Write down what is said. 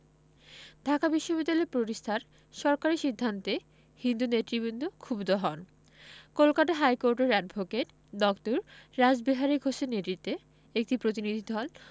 ঢাকা বিশ্ববিদ্যালয় প্রতিষ্ঠার সরকারি সিদ্ধান্তে হিন্দু নেতৃবৃন্দ ক্ষুব্ধ হন কলকাতা হাইকোর্টের অ্যাডভোকেট ড. রাসবিহারী ঘোষের নেতৃত্বে একটি প্রতিনিধিদল